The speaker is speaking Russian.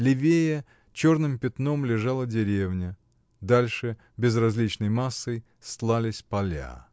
левее черным пятном лежала деревня, дальше безразличной массой стлались поля.